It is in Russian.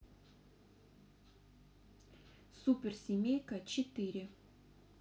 супер семейка четыре